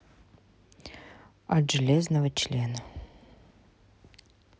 от железного члена